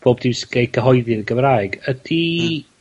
bob sy ga'l 'i gyhoeddi yn y Gymraeg. Ydi